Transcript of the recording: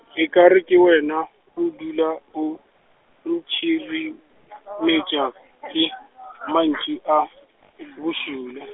akere ke wena o dula o, ntsirimetša ke, mantšu a, bošula.